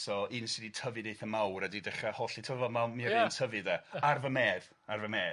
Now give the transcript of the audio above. So un sy 'di tyfu'n eitha mawr a 'di dechra holl mi a fu'n tyfu de ar fy medd ar fy medd.